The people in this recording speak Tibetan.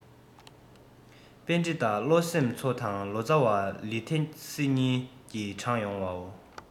པཎྡི ཏ བློ སེམས འཚོ དང ལོ ཙ བ ལི ཐེ སི གཉིས ཀྱིས དྲངས ཡོང བའོ